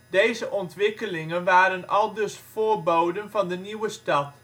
Deze ontwikkelingen waren aldus voorboden van de nieuwe stad